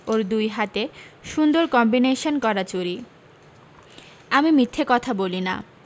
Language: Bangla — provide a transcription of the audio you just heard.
ওর দুই হাতে সুন্দর কম্বিনেসান করা চুড়ি আমি মিথ্যে কথা বলি না